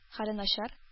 Хәле начар